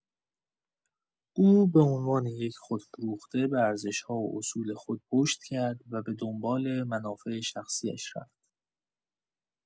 او به عنوان یک خودفروخته به ارزش‌ها و اصول خود پشت کرد و به دنبال منافع شخصی‌اش رفت.